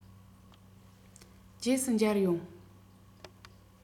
རྗེས སུ མཇལ ཡོང